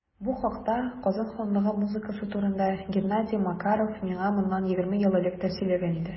Бу хакта - Казан ханлыгы музыкасы турында - Геннадий Макаров миңа моннан 20 ел элек тә сөйләгән иде.